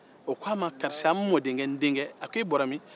o k'a ma karisa n mɔdenkɛ n denkɛ a ko e bɔra min